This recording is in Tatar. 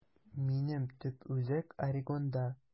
Минем төп үзәк Орегонда.